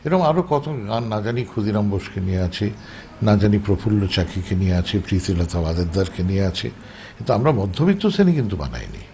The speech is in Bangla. এরকম আরো কত গান না জানি ক্ষুদিরাম বসুকে নিয়ে আছে না জানি প্রফুল্ল চাকীকে নিয়ে আছে প্রীতিলতা ওয়াদ্দেদার কে নিয়ে আছে কিন্তু আমরা মধ্যবিত্ত শ্রেণী কিন্তু বানাইনি